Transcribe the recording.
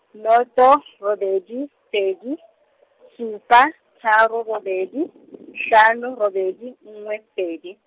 noto robedi pedi, supa tharo robedi, hlano robedi nngwe pedi.